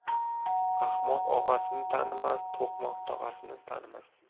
ahmoq og'asini tanimas to'qmoq tog'asini tanimas